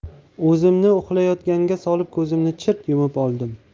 o'zimni uxlayotganga solib ko'zimni chirt yumib oldim